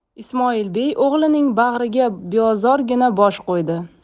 ismoilbey o'g'lining bag'riga beozorgina bosh qo'ydi